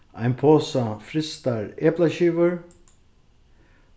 ein posa frystar eplaskivur